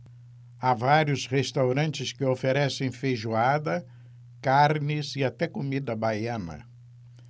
há vários restaurantes que oferecem feijoada carnes e até comida baiana